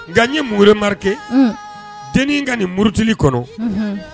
Ja n ye mun remarque - dennin ka nin murutili kɔnɔ Unhun